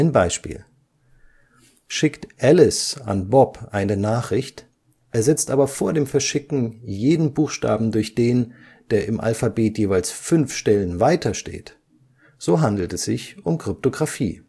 Beispiel Schickt Alice an Bob eine Nachricht, ersetzt aber vor dem Verschicken jeden Buchstaben durch den, der im Alphabet jeweils fünf Stellen weiter steht, so handelt es sich um Kryptographie